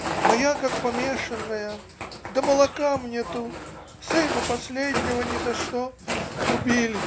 А я как помешанная - до молока мне тут, сына последнего не за что убили.